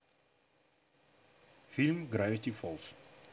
фильм гравити фоллз